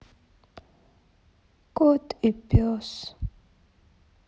кот и пес